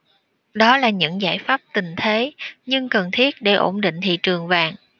đó là những giải pháp tình thế nhưng cần thiết để ổn định thị trường vàng